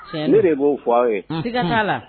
Tiɲɛ don, ne de b'o f’aw ye, siga t'a la